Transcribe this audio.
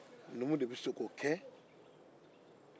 numu de bɛ se k'o kɛ